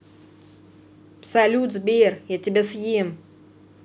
салют сбер я тебя съем